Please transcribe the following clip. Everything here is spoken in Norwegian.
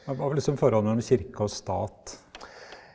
v hva var liksom forholdet mellom kirke og stat?